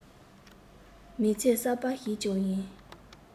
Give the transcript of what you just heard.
མིང ཚིག གསར པ ཞིག ཀྱང ཡིན